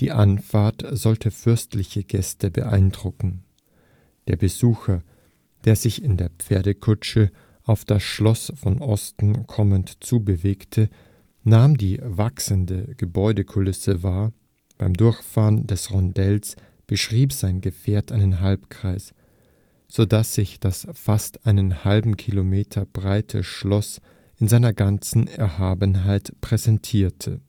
Anfahrt sollte fürstliche Gäste beeindrucken: Ein Besucher, der sich in der Pferdekutsche auf das Schloss von Osten kommend zubewegte, nahm die wachsende Gebäudekulisse wahr, beim Durchfahren des Rondells beschrieb sein Gefährt einen Halbkreis, so dass sich das fast einen halben Kilometer breite Schloss in seiner ganzen Erhabenheit präsentierte